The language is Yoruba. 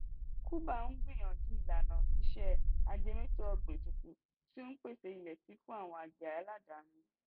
Cuba ń gbìyànjú ìlànà-ìṣe ajẹmétò-ọ̀gbìn tuntun tí ó ń pèsè ilẹ̀ síi fún àwọn àgbẹ̀ aládàáni.